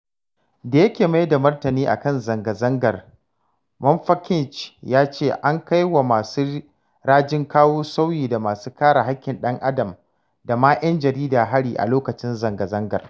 Da yake mai da martani a kan zangazangar, Mamfakinch ya ce, an kai wa masu rajin kawo sauyi da masu kare haƙƙin ɗan-adam da ma 'yan jarida hari a lokacin zangazangar.